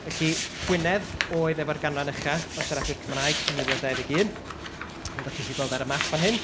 Felly Gwynedd oedd efo'r ganran uchaf o siaradwyr Cymraeg yn nwy fil ac unarddeg fel dach chi'n gallu gweld ar y map yn fan hyn.